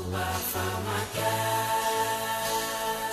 Ba kɛ